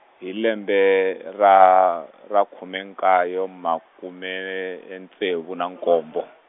hi lembe ra, ra khume nkaye makume ntsevu na nkombo.